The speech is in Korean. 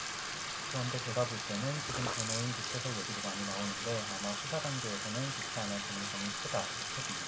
그런데 제가 볼 때는 지금 변호인 교체설 얘기도 많이 나오는데 아마 수사 단계에서는 교체 안 할 가능성이 크다 이렇게 봅니다